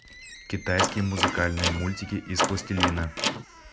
китайские музыкальные мультики из пластилина